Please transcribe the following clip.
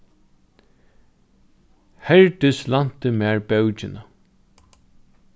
herdis lænti mær bókina